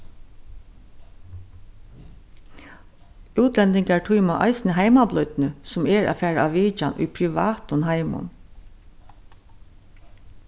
útlendingar tíma eisini heimablídni sum er at fara á vitjan í privatum heimum